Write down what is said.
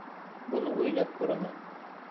buni o'ylab ko'raman